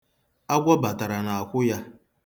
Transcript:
Agwọ batara n'akwụ ya.